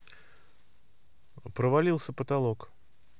провалился потолок